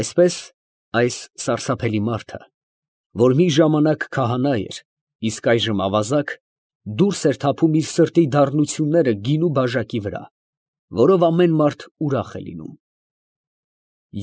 Այսպես այս սարսափելի մարդը, որ մի ժամանակ քահանա էր, իսկ այժմ ավազակ, դուրս էր թափում իր սրտի դառնությունները գինու բաժակի վրա, որով ամեն մարդ ուրախ է լինում։